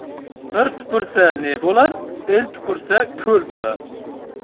bir tupursa ne bo'lar el tupursa ko'l bo'lar